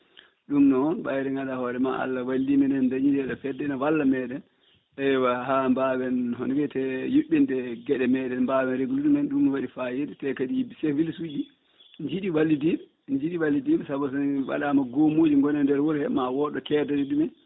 ɗum noon ɓayde gandanɗa hoore ma Allah walli men en dañi nde ɗo fedde ene walla meɗen eywa ha mbawen hono wiiyete yuɓɓinde gueɗe meɗen mbawa reglude ɗumen ɗum ne waɗi fayida te kadi chef de village uji jiiɗi wallidiɓe jiiɗi wallidiɓe taw tan waɗama goomuji goone nder wuuro he ma wooɗ ɗo kedani ɗumen